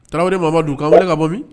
Tarawele Mamadu k'an wele ka bɔ?